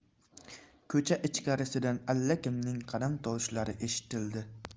ko'cha ichkarisidan allakimning qadam tovushlari eshitildi